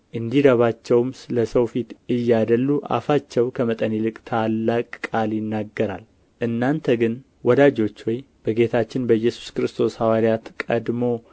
እንዲረባቸውም ለሰው ፊት እያደሉ አፋቸው ከመጠን ይልቅ ታላቅ ቃል ይናገራል እናንተ ግን ወዳጆች ሆይ በጌታችን በኢየሱስ ክርስቶስ ሐዋርያት ቀድሞ